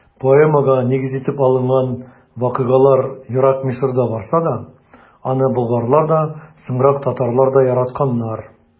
Поэмага нигез итеп алынган вакыйгалар ерак Мисырда барса да, аны болгарлар да, соңрак татарлар да яратканнар.